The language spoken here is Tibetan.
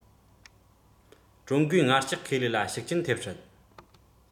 ཀྲུང གོའི ངར ལྕགས ཁེ ལས ལ ཤུགས རྐྱེན ཐེབས སྲིད